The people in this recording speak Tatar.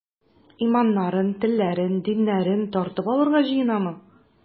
Иманнарын, телләрен, диннәрен тартып алырга җыенамы?